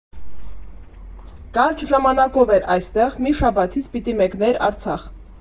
Կարճ ժամանակով էր այստեղ, մի շաբաթից պիտի մեկներ Արցախ։